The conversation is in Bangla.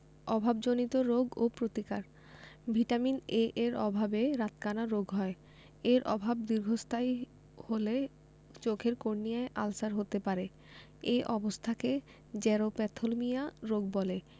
অভাবজনিত রোগ ও প্রতিকার ভিটামিন A এর অভাবে রাতকানা রোগ হয় এর অভাব দীর্ঘস্থায়ী হলে চোখের কর্নিয়ায় আলসার হতে পারে এ অবস্থাকে জেরপ্থ্যালমিয়া রোগ বলে